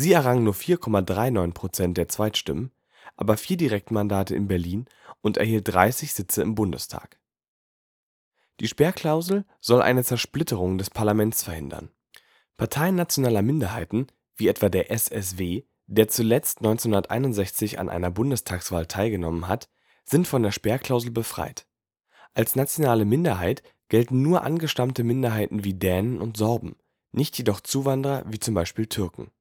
errang nur 4,39% der Zweitstimmen, aber vier Direktmandate in Berlin und erhielt 30 Sitze im Bundestag. Die Sperrklausel soll eine Zersplitterung des Parlaments verhindern. Parteien nationaler Minderheiten, wie etwa der SSW, der zuletzt 1961 an einer Bundestagswahl teilgenommen hat, sind von der Sperrklausel befreit. Als nationale Minderheit gelten nur angestammte Minderheiten wie Dänen und Sorben, nicht jedoch Zuwanderer wie z. B. Türken